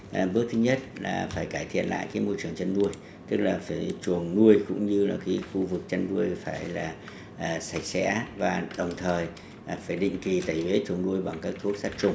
à bước thứ nhất là phải cải thiện lại khi môi trường chăn nuôi tức là phải chuồng nuôi cũng như là cái khu vực chăn nuôi phải là sạch sẽ và đồng thời phải định kỳ tẩy uế chuồng nuôi bằng các thuốc sát trùng